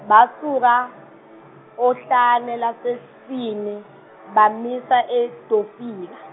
basuka ohlane laseSini bamisa eDofika.